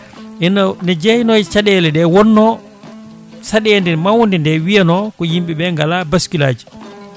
ene ne jeeyano e caɗele ɗe wonno saɗede mawde nde wiyano ko yimɓeɓe gala bascule aji